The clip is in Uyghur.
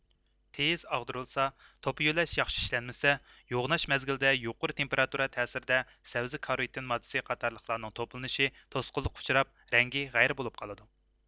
تېيىز ئاغدۇرۇلسا توپا يۆلەش ياخشى ئىشلەنمىسە يوغىناش مەزگىلدە يۇقىرى تېمپېراتۇرا تەسىرىدە سەۋزە كاروتىن ماددىسى قاتارلىقلارنىڭ توپلىنىشى توسقۇنلۇققا ئۇچراپ رەڭگى غەيرىي بولۇپ قالىدۇ